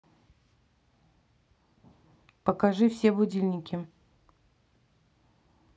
покажи все будильники